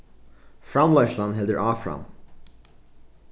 framleiðslan heldur áfram